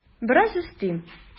Бераз өстим.